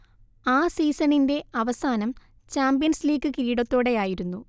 ആ സീസണിന്റെ അവസാനം ചാമ്പ്യൻസ് ലീഗ് കിരീടത്തോടെയായിരുന്നു